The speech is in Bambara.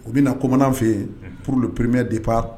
U bɛ na koman fɛ yen purl ppremee dep